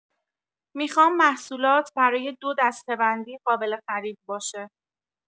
میخوام محصولات برای دو دسته‌بندی قابل خرید باشه.